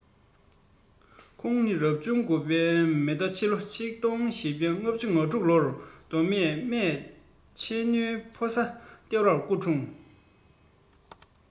ཁོང ནི རབ བྱུང དགུ བའི མེ རྟ ཕྱི ལོ ༡༥༤༦ ལོར མདོ སྨད ཅོ ནེའི ཕོ ས སྡེ བར སྐུ འཁྲུངས